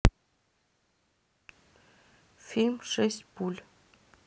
фильм шесть пуль